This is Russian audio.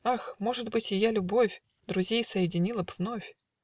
Ах, может быть, ее любовь Друзей соединила б вновь!